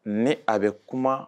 Ni a bɛ kuma